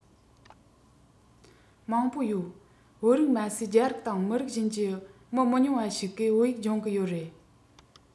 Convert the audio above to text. མང པོ ཡོད བོད རིགས མ ཟད རྒྱ རིགས དང མི རིགས གཞན གྱི མི མི ཉུང བ ཞིག གིས བོད ཡིག སྦྱོང གི ཡོད རེད